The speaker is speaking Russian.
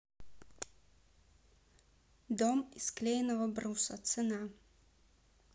дом из клееного бруса цена